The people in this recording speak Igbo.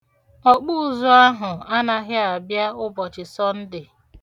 Ọkpụụzụ ahụ anaghị abịa ụbọchị Sọnde.